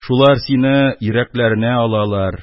Шулар сине йөрәкләренә алалар,